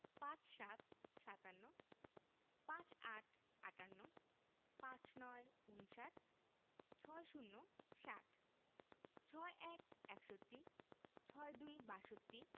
৫৭ সাতান্ন ৫৮ আটান্ন ৫৯ ঊনষাট ৬০ ষাট ৬১ একষট্টি ৬২ বাষট্টি